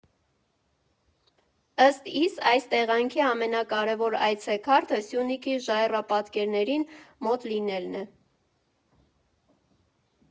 Ըստ իս, այս տեղանքի ամենակարևոր այցեքարտը Սյունիքի ժայռապատկերներին մոտ լինելն է։